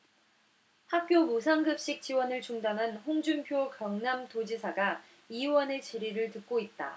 학교 무상급식 지원을 중단한 홍준표 경남도지사가 이 의원의 질의를 듣고 있다